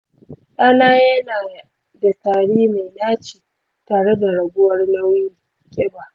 ɗana yana da tari mai naci tare da raguwar nauyi/ƙiba.